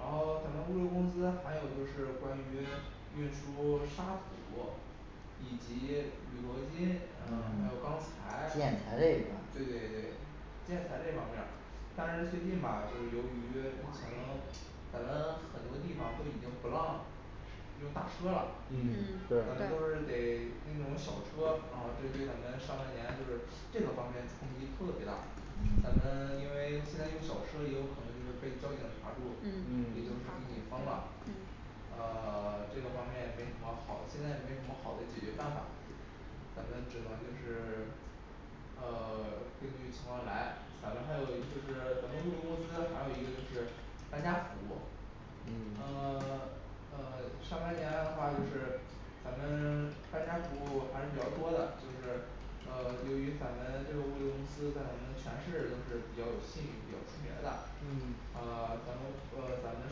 然后咱们物流公司还有就是关于运输沙土以及铝合嗯金，啊还有钢材，建材这一对块对儿对。建材这方面儿。但是最近吧就是由于疫情咱们很多地方都已经不让用大车了嗯对嗯大家都是得那种小车，然后就对咱们上半年就是这个方面冲击特别大，咱嗯们因为现在用小车也有可能就是被交警查住，也就是给嗯嗯你封了嗯，啊 这个方面没什么好，现在没什么好的解决办法。咱们只能就是呃 根据情况来咱们还有就是咱们物流公司还有一个就是搬家服务嗯呃 呃上半年的话，就是咱们搬家服务还是比较多的，就是呃由于咱们这个物流公司在咱们全市都是比较有吸引力比较出名儿的，嗯啊咱楼呃咱们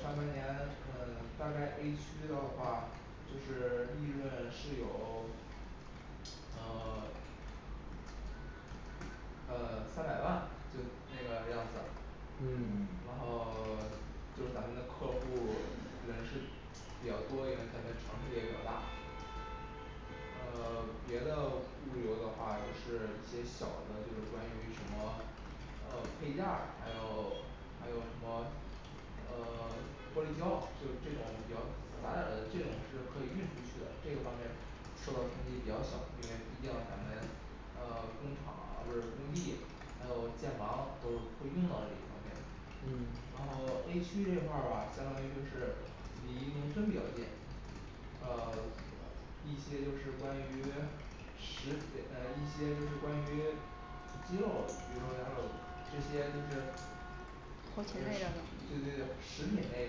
上半年嗯大概A区的话，就是利润是有呃 呃三百万就那个样子然后嗯嗯 就咱们的客户儿人是比较多，一个咱们城市也比较大呃别的物流的话就是一些小的就是关于什么呃配件儿还有还有什么呃玻璃胶就是这种比较复杂点的这种是可以运出去的这个方面受到冲击比较小，因为毕竟咱们呃工厂啊不是工地还有建房都会用到这一方面。然嗯后A区这块儿吧相当于就是离农村比较近呃呃一些就是关于食呃一些就是关于鸡肉这些就是呃类的对对东西食品类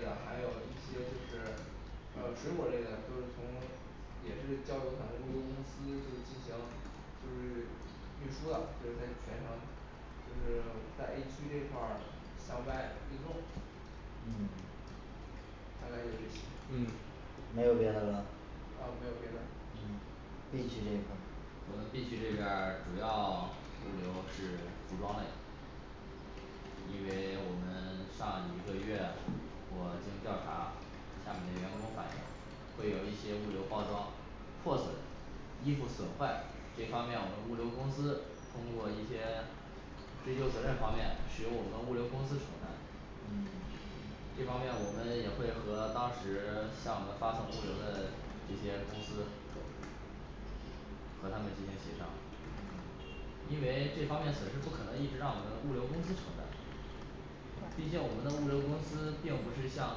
的，还有一些就是呃水果儿类的，就是从也是交由咱们物流公司就进行就是运输的就是在全程就是在A区这块儿向外运送嗯大概就是这些嗯啊没没有有别别的的了了嗯B区这一块儿我们B区这边儿主要物流是服装类因为我们上一个月我去调查下面的员工反应，会有一些物流报告，破损衣服损坏这方面，我们物流公司通过一些追究责任方面是由我们物流公司承担嗯。这方面我们也会和当时向我们发送物流的这些公司和他们进行协商，嗯因为这方面损失不可能一直让我们物流公司承担毕竟我们的物流公司并不是像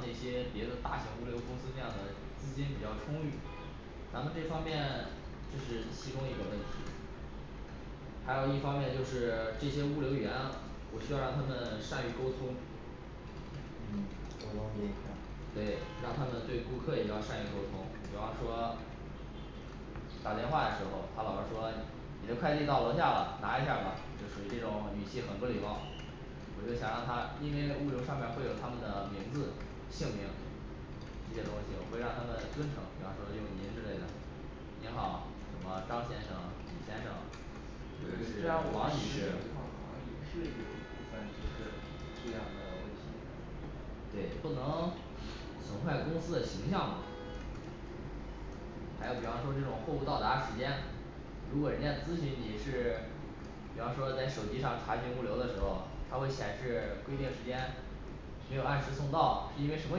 那些别的大型物流公司那样的，资金比较充裕，咱们这方面就是其中一个问题还有一方面就是这些物流员我需要让他们善于沟通嗯沟通这一块儿对，让他们对顾客也要善于沟通，比方说打电话的时候，他老是说你的快递到楼下了，拿一下儿吧就属于这种语气很不礼貌，我就想让他因为物流上面儿会有他们的名字姓名这些东西我会让他们尊称，比方说用您之类的。你好，什么张先生李先生对对这对样好王像女也是士有一部分就是这样的问题对，不能损坏公司的形象嘛。还有比方说这种货物到达时间，如果人家咨询你是比方说在手机上查询物流的时候，它会显示规定时间，没有按时送到，是因为什么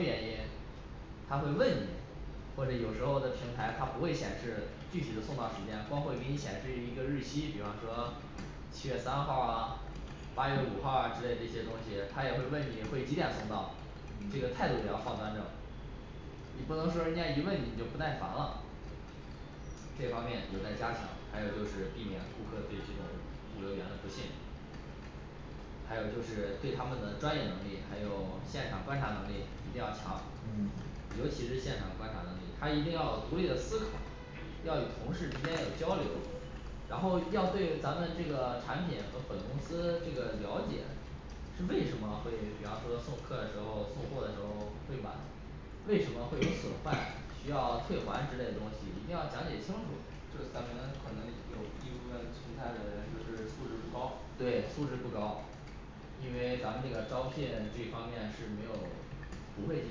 原因他会问你或者有时候的平台它不会显示具体的送到时间，光会给你显示一个日期，比方说七月三号儿啊八月五号儿啊之类这些东西，他也会问你会几点送到，这个态度嗯要放端正你不能说人家一问你就不耐烦了这方面有待加强，还有就是避免顾客对这种物流员的不信任还有就是对他们的专业能力，还有现场观察能力一定要强，嗯尤其是现场观察能力，他一定要有独立的思考要与同事之间要有交流，然后一定要对咱们这个产品和本公司这个了解是为什么会比方说送客的时候，送货的时候会晚为什么会有损坏 ，需要退还之类的东西一定要讲解清楚，就咱们可能有一部分存在的人就是素质不高对素质不高，因为咱们这个招聘这方面是没有不会进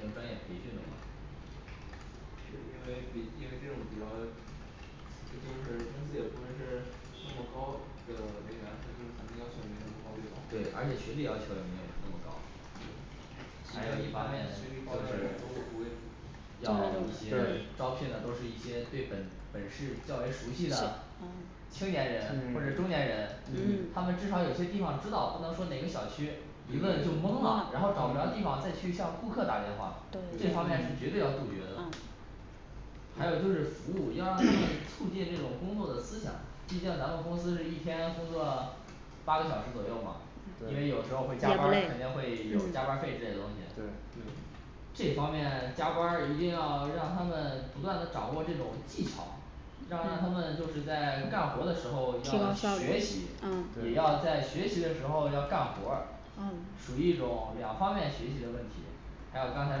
行专业培训的嘛是因为比因为这种比较这就是公司也不是会那么高的人员，就是咱们要求没那么高对对，吧而？且学历要求也没有那么高。对还毕有竟一一方般面就学是历高的人都不会要一些招聘的都是一些对本本市较为熟悉的嗯青年人或者中年人，他嗯嗯们至少有些地方知道，不能说哪个小区一问就懵了，然后找不着嗯地方再去向嗯顾客打电话对，这方面是绝对要杜嗯绝的嗯还有就是服务要让他们促进这种工 作的思想，毕竟咱们公司是一天工作八个小时左右嘛，因为有时候嗯会对加班儿，肯定会有加班儿费之类的东西对对这方面加班儿一定要让他们不断地掌握这种技巧让他们就是在干活儿的时候要不学习能，也嗯要在对学习的时候要干活儿，嗯属于一种两方面学习的问题。 还有刚才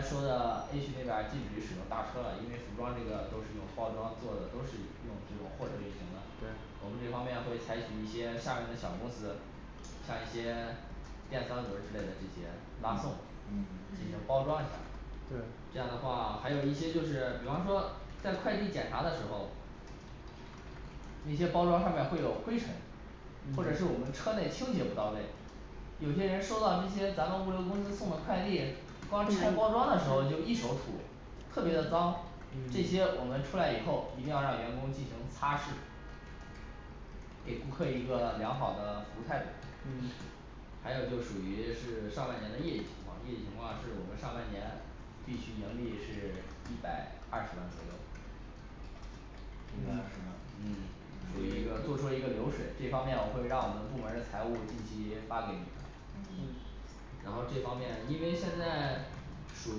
说的A区那边儿禁止使用大车啊，因为服装这个都是用包装做的，都是用这种货车运行的，我对们这方面会采取一些下面的小公司像一些电三轮之类的这些拉嗯送进行嗯包装一下儿。对，这对样的话还有一些就是比方说在快递检查的时候那些包装上面会有灰尘，或者是我们嗯车内清洁不到位有些人收到这些咱们物流公司送的快递，光拆包装的时候就一手土，特别的脏，这些我嗯们出来以后一定要让员工进行擦拭给顾客一个良好的服务态度嗯还有就属于是上半年的业绩情况，业绩情况是我们上半年B区盈利是一百二十万左右一百二十嗯万嗯属于一个做出了一个流水，这方面我会让我们部门儿的财务近期发给你嗯嗯然后这方面因为现在属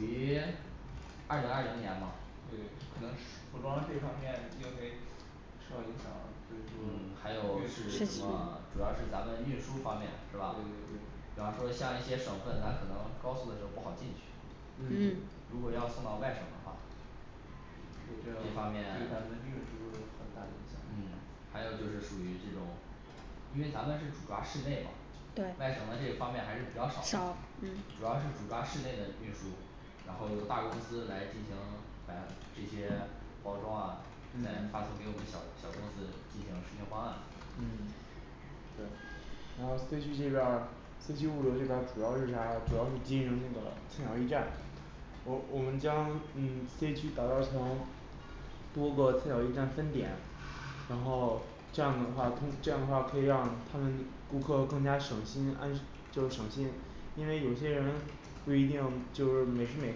于二零二零年嘛对对可能是 服装这方面因为受到影响所嗯以还说有运是输什是比么如主要是嗯咱们运输方面是吧对？比对对方说像一些省份，它可能高速的时候不好进去嗯，嗯如果要送到外省的话就这这对方咱们面运输也有很大影响嗯还有就是属于这种因为咱们是主抓市内嘛对，外省的这一方面还是比较少的少嗯，主要是主抓市内的运输，然后大公司来进行把这些包装啊再发送给我嗯们小小公司进行实验方案嗯对然后C区这边儿C区物流这边儿主要是啥呀，主要是经营这个菜鸟驿站，我我们将嗯C区打造成多个菜鸟驿站分点然后这样的话通这样的话可以让他们顾客更加省心，安就是省心。因为有些人不一定就每时每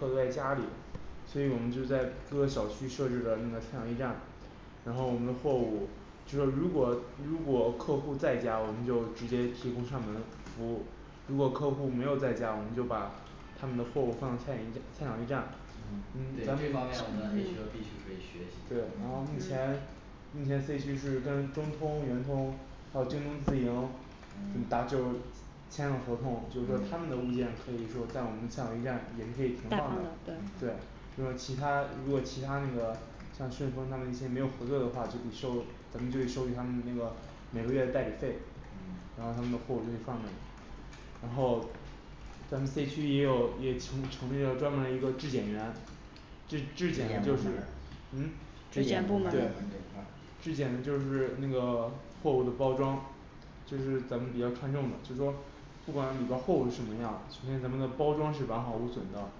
刻都在家里所以我们就在各个小区设置了那个菜鸟驿站然后我们的货物就是如果如果客户在家，我们就直接提供上门儿服务，如果客户没有在家，我们就把他们的货物放在菜驿菜鸟驿站。嗯嗯对这咱们方面我们A区和B区可以学习对，然后目嗯前目前C区是跟中通圆通，还有京东自营，韵嗯达就是嗯代签署合同，就是说他嗯们的物件可以说在我们的菜鸟驿站也是可以停放放的的。对对嗯，就是说其他如果其他那个像顺丰他们那些没有合作的话，就得收咱们就得收取他们那个每个月的代理费，然嗯后他们的货物就得放那里然后咱们C区也有也成成立了专门儿一个质检员质质检的就是嗯对，质质质检检部部门门儿这一儿块儿检就是那个货物的包装就是咱们比较看重的就是说不管里边儿货物什么样，首先咱们的包装是完好无损的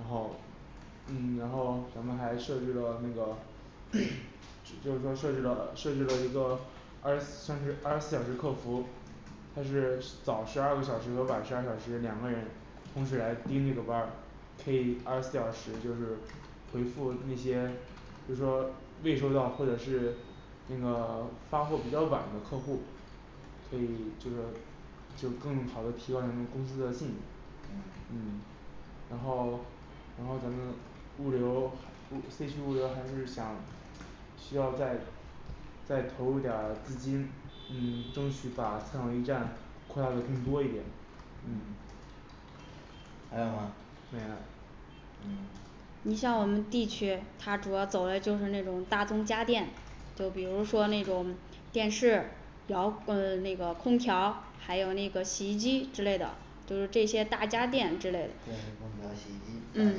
然后嗯然后咱们还设置了那个 就是说设置了设置了一个二十像是二十四小时客服他是早十二个小时和晚十二小时两个人同时来盯这个班儿，可以二十四小时就是回复那些就是说未收到或者是那个发货比较晚的客户可以就是说就更好的提高咱们公司的信誉。嗯嗯然后然后咱们物流物C区物流还是想需要再再投入点儿资金，嗯争取把菜鸟驿站扩大的更多一点嗯还有吗没了嗯你像我们D区它主要走嘞就是那种大宗家电，就比如说那种电视遥呃那个空调还有那个洗衣机之类的，就是这些大家电之电类视空调洗衣嗯机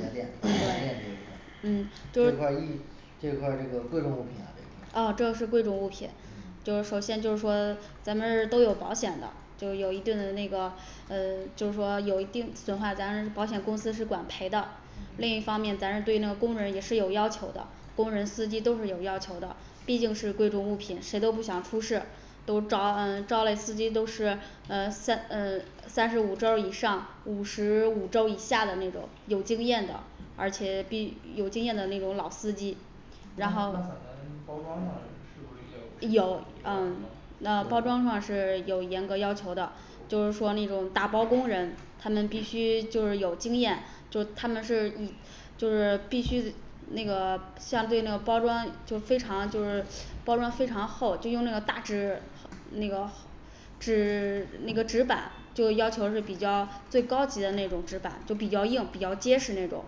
大家电家 电对嗯这一块儿，这一块儿这块儿这个贵重物品嗯嗯这个是贵重物品就是首先就是说咱们是都有保险的，就有一定那个呃就是说有一定损坏，咱保险公司是管赔的。另一嗯方面咱是对那个工人也是有要求的，工人司机都是有要求的，毕竟是贵重物品，谁都不想出事，都招招嘞司机都是呃三呃三十五周儿以上，五十五周儿以下的那种有经验的，而且比有经验的那种老司机那然那咱后们包装上是不是也有有有是吗嗯那包装上是有严格要求的，就是说那种打包工人他们必须就是有经验，就他们是与 就是必须那个相对那个包装就非常就是包装非常厚，就用那个大纸那个指 那个指板就要求是比较最高级的那种指板就比较硬比较结实那种。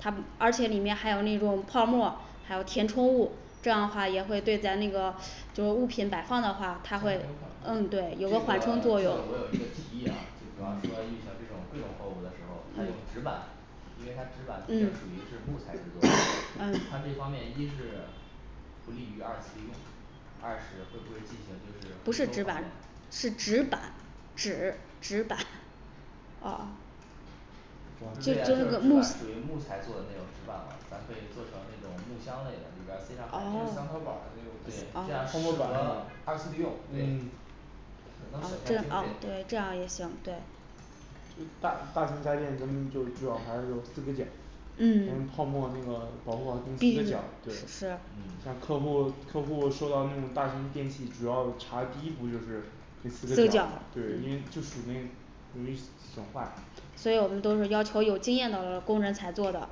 他而且里面还有那种泡沫，还有填充物，这样的话也会对咱那个就物品摆放的还话它会嗯这个这个我有一个提对有有个个缓冲缓冲作用嗯嗯议啊就比方说遇到这种贵重货 物的时候它用纸板，因为它纸板毕竟属于是木材制作嗯他这方面一是不利于二次利用，二是会不会进行不就是是纸板，是纸板纸纸板啊对呀就是纸板属于木材做的那种纸板嘛咱可以做成那种木箱类的里边儿哦塞上海绵三合板儿的那对这样适哦合二次利用种，对嗯嗯对啊对这样也行对就大大型家电咱们就主要还是有四个点，用嗯泡沫那个保护好这第四个一角个儿，对是像客嗯户客户受到那种大型电器主要查第一步。就是那四四个个角角对因为就属那容易损坏所以我们都是要求有经验的工人才做的，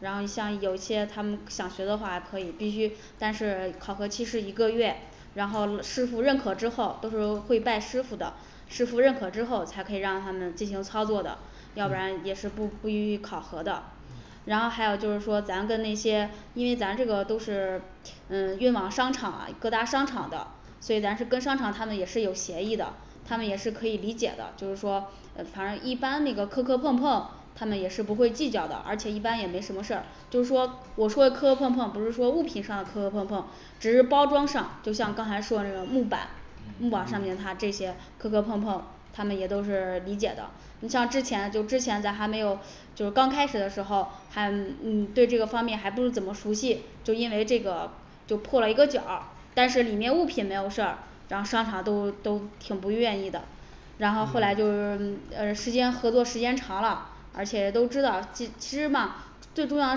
然后像有些他们想学的话可以必须，但是考核期是一个月，然后师傅认可之后都是会拜师傅的师傅认可之后才可以让他们进行操作的，要不然嗯也是不不予考核的嗯，然后还有说就是咱跟那些，因为咱这个都是嗯运往商场啊各大商场的，所以咱是跟商场他们也是有协议的，他们也是可以理解的就是说，呃反正一般那个磕磕碰碰他们也是不会计较的，而且一般也没什么事儿就是说我说得磕磕碰碰，不是说物品上的磕磕碰碰只是包装上，就像刚才说的那种木板木板上面，嗯嗯它这些磕磕碰碰他们也都是理解的。你像之前就之前咱还没有就刚开始的时候，还嗯对这个方面还不怎么熟悉，就因为这个就破了一个角儿，但是里面物品没有事儿，然后商场都都挺不愿意的。然后后来嗯就是嗯时间合作时间长了，而且都知道其其实嘛最重要的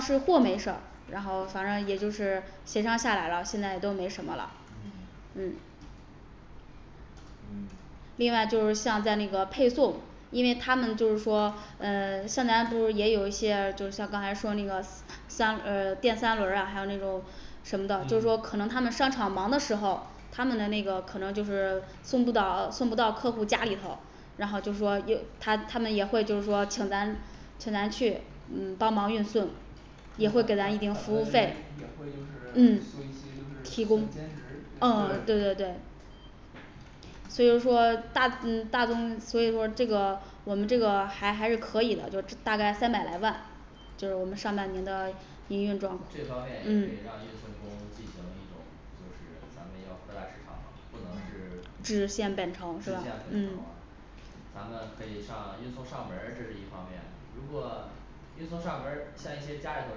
是货没事儿，然后反正也就是协商下来了，现在都没什么了嗯嗯嗯另外就是像在那个配送，因为他们就是说嗯像咱不是也有一些就像刚才说那个三呃电三轮儿啊还有那种什么的就是说嗯可能他们商场忙的时候，他们的那个可能就是送不到送不到客户家里头，然后就说有他他们也会就是说请咱请咱去嗯帮忙运送也会给咱一定服务费也会就，是嗯租一些提就供是兼，职嗯对对对对所以说大嗯大宗所以说这个我们这个还还是可以的，就大概三百来万就是我们上半年的营业状这方面也可嗯以让运送工进行一种就是咱们要扩大市场嘛，不能是直直线线变分成成是吧嗯咱们可以上，运送上门儿这是一方面，如果运送上门儿像一些家里头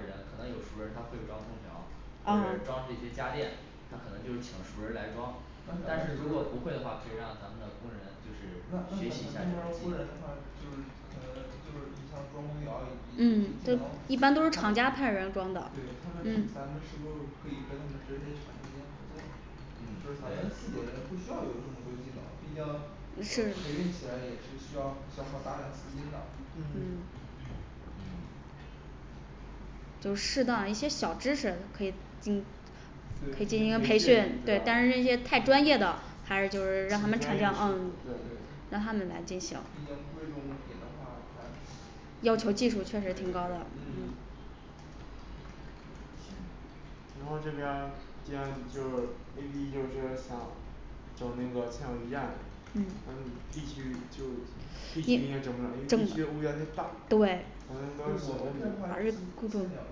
人可能有熟人儿，他会装空调或者装这啊些家电，他可能就是请熟人儿来装但是如果不会的话，可以让咱们的工人就是那学那习一下儿咱们这工个人的话技就是能可能就是你像装空调以及嗯对对他一般们都咱是厂家派人装的嗯们是不可以跟他们直接产品沟通就是嗯咱们自己人不需要有这种维修技能毕竟呃是培育起来 也是需要消耗大量资金的嗯嗯嗯就适当一些小知识可以进可以进行一个对培培训训，对，但是那些太专业的还是就是让他们参加。啊让他们来进毕竟行贵重物品的话，他对对，要对求技术确实挺高的嗯嗯行然后这边儿既然就A B就就想整那个菜鸟驿站跟嗯 B区就 B B 区应该整不了因整为 B区物件儿太大对对我们这块儿A区菜鸟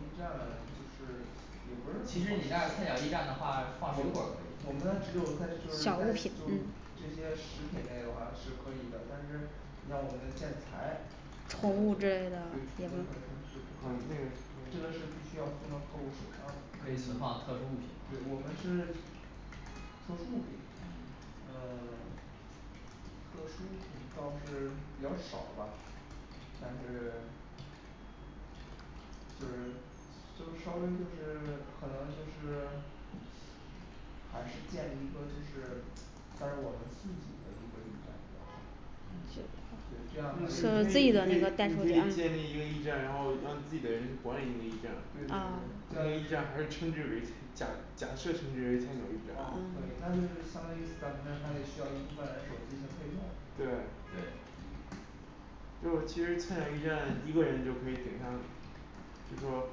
驿站就是也不其实是你看菜鸟驿站的很好话放水果儿，可我们那以儿只有在就是在小就物品嗯是这些食品类的话是可以的但是你像我们的建材宠物对我们这就之类是的真的是必须要对我们可以存放特殊物品嘛是特殊物品嗯呃 特殊物品倒是比较少吧但是就是就是稍微就是可能就是还是建立一个就是算是我们自己的一个驿站是吧嗯你可以你可以你可以就是就自这己样的的一个代收点啊建立一个驿站然后让自己的人去管理那个驿站对对对那个驿站还是称之为假假设称之啊可以为菜鸟驿站对那就是相当于咱们还得需要一部分人有那个配送对对就其实菜鸟驿站一个人就可以顶下去就是说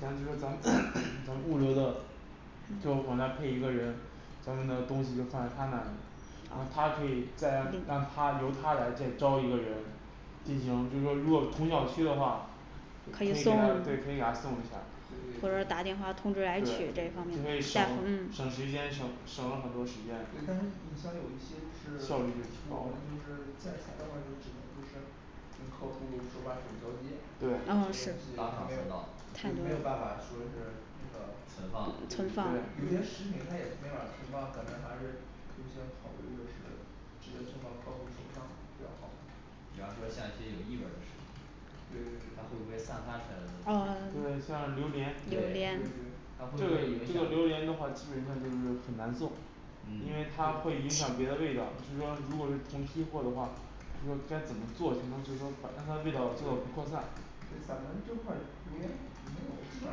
咱们就是咱们 咱们物流的就是往嗯那配一个人，咱们的东西就放在他那里，然后他可以再让他由他来再招一个人，进行，就是说如果同小区的话就可可以以给他送对可以给他送一下对对就或可者打对电话通知对来取这一方面以的省再嗯省时间省省了对对对很多时间对但是你像有一些就是效率就不错是建材的话只能就是就客户手把手交接这件打嗯赏事是对情就没有签就没到有办法只能是那个对对存存放放对有些对食品他也没发存放咱们还是优先考虑的是直接送到客户手上比较好比方说像一些有异味儿的食品对对它会不会散发对出来的味道对哦它会影对哦像对榴莲就榴榴是莲莲这个榴莲响的话基本上就是很难做，因为嗯它会影响别的味道，就是说如果是同批货的话就说该怎么做才能，就是说把它的味道做到不扩散就，咱们这块儿榴莲没有，基本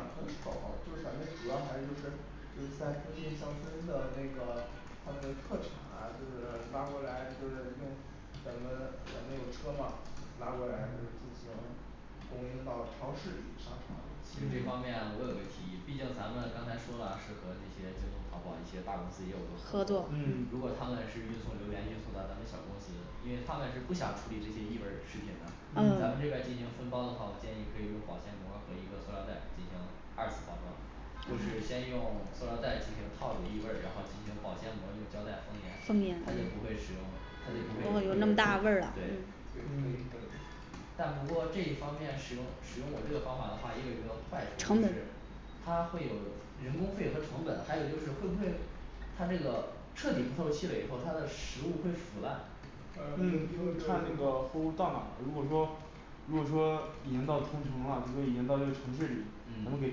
上很少，就咱们主要还是就是就是在附近乡村的那个他们的特产就是拉过来就是用。 咱们咱们有车嘛拉过来就是进行供应到超市里商场其实这里，方嗯面我有个提议，毕竟咱们刚才说了是和那些京东淘宝一些大公司也有个合合作作，如果他嗯们是运送榴莲运送到咱们小公司，因为他们是不想处理这些异味儿食品的。咱们这边儿进嗯嗯行分包的话，我建议可以用保鲜膜儿和一个塑料袋进行二次包装就是先用塑料袋进行套住异味儿，然后进行保鲜膜用胶带封封严严，它就不会使用，它嗯就不不好会有有对那么大味儿了嗯但不过这一方面使用使用我这个方法的话也有一个坏处成就本是它会有人工费和成本，还有就是会不会他这个彻底不透气了以后它的食物会腐烂呃嗯看那个货物到哪，如果说如果说已经到同城了，就说已经到一个城市里，咱们给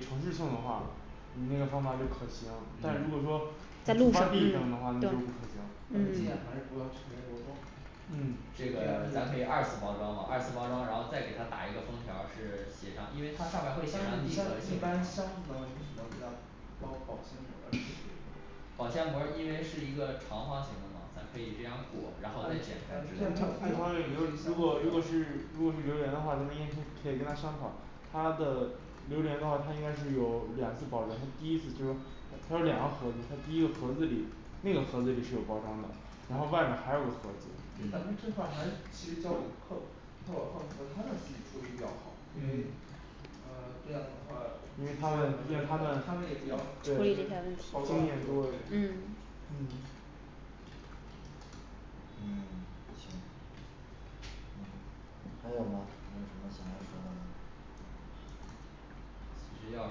城市送的话，你那个方法就可行，但如果说嗯在你出路发上地对登的话那就不可咱嗯们尽行量，还是不能承认过错这嗯个咱可以二次包装嘛二次包装，然后再给他打一个封条儿是写上，因但为它上面会写是上地你一址般和一姓般箱子都旅行名箱保存好了 保鲜膜儿，因为是一个长方形的嘛，咱可以这样裹，然后再剪开之类的东西如果如果是如果是榴莲的话咱们应该可可以跟他商讨，他的榴莲的话它应该是有两次保留，他第一次就是他有两个盒子，它第一个盒子里，那个盒子里是有包装的，然后外边儿还有个盒子嗯咱们这嗯块儿还是其实交给客客客服，他们自己处理比较好因为嗯呃这样的话因为他他们们毕竟他们也比较对包经装验多嗯嗯嗯行还有吗还有什么想要说的吗其实要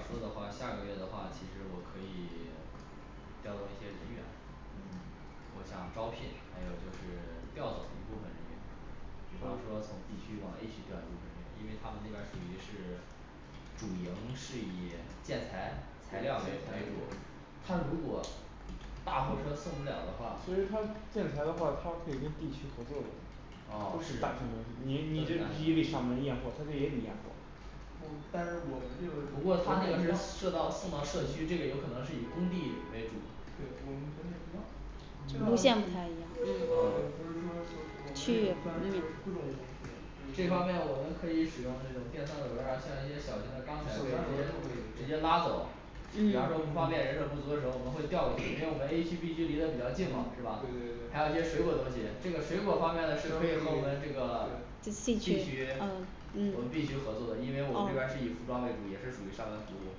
说的话下个月的话，其实我可以 调动一些人员嗯，我想招聘还有就是调走一部分人员比说方说从 B 说区往A区调一部分人，因为他们那边儿属于是主营是以建材材料儿为为主，他如果大货车送不了的话，其实他建材的话他可以跟D区合作都是啊大型公司，你你这你也得上门儿验货，他这也得验货嗯但是我们这个不对我过们不他那太一个样是射到送到社区，这个有可能是以工地为主对我们不能一样路线不太嗯一样这也不是说我们啊去也这不算是方面我们可以使用这种电三轮儿啊，像一些小型的钢材会直接直接拉走比方说不嗯方便人手嗯不足的时候，我们会调过去因为我们A区B区离得比较对对近嘛是吧还对有一些水果东西，这个水果方面呢是可以和我们这个 C B 区区啊嗯啊啊我们B区合作的，因为我们这边儿是以服装为主，也是属于上门服务，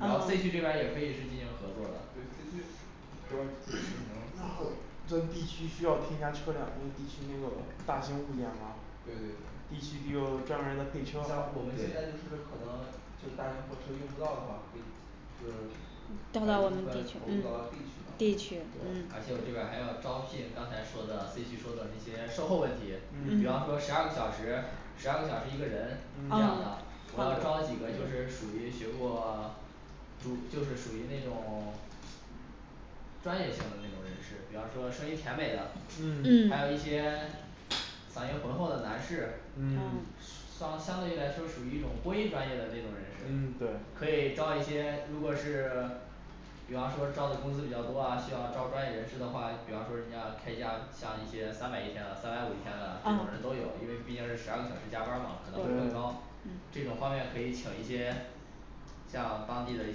然后嗯 C 对区 C 这区边儿也可以是进行合作的 主要是对对在D区需要添加车辆因为D区那个大型物对件嘛对 D区得有专像门儿的配车我们现在就对是可能就大型货车运不到的话可以就是把一部分投入到等到我们D区嗯D D区区嘛嗯对而且我这边儿还要招聘刚才说的C区说的那些售后问题，比嗯方说嗯十二个小时十二个小时一个人这样的啊嗯，我要招几个就是属于学过 就是属于那种 专业性的那种人士，比方说声音甜美的，还有一嗯嗯些嗓音浑厚的男士嗯嗯相相对于来说属于一种播音专业的那种嗯人士对可以招一些，如果是比方说招的工种比较多啊，需要招专业人士的话，比方说人家要开价像一些三百一天的三百五一天的这种人都有，啊因为毕竟是十二个小时加班儿嘛可能会更高对，这种嗯方面可以请一些像当地的一